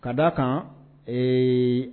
Ka d' a kan ee